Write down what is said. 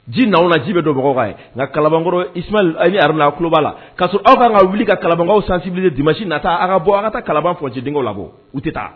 Ji na na ji bɛ donbagaw ye nka kalakɔrɔ haruna kuba la ka aw kan ka wuli ka kalanbankaw sansibili di masi na taa a ka bɔ an ka taa kalabaga fɔ cɛden labɔ u tɛ taa